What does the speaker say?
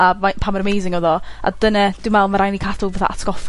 a fai- pa mor amazing odd o, a dyna dwi me'wl ma' rai' ni cadw fatha atgoffa